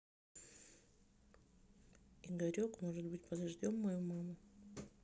игорек может быть подождем мою маму